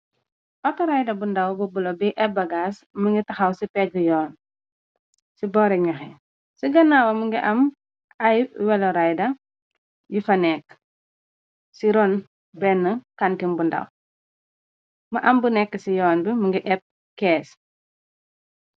Autorida bu ndaw bu bulo bi epbagaas mi ngi taxaw ci pejg yoon, ci bore ñoxe. Ci ganaawa mi ngi am ay welorida yu fa nekk, ci ron benn kantim bundaw , mu ambu nekk ci yoon bi mu ngi épp cees.